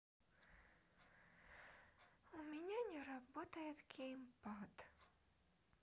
у меня не работает геймпад